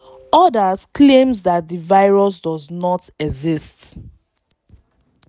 Others claim that the virus does not exist.